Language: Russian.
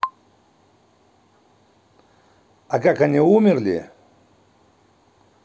а как они умерли